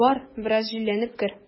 Бар, бераз җилләнеп кер.